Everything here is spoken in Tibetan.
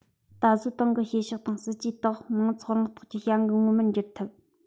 ད གཟོད ཏང གི བྱེད ཕྱོགས དང སྲིད ཇུས དག མང ཚོགས རང རྟོགས ཀྱི བྱ འགུལ ངོ མར འགྱུར ཐུབ